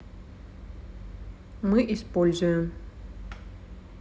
мы используем